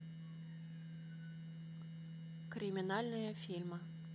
криминальные фильмы